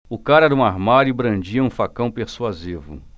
o cara era um armário e brandia um facão persuasivo